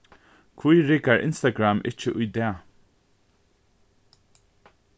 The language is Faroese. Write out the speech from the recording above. hví riggar instagram ikki í dag